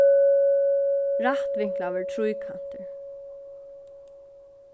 rættvinklaður tríkantur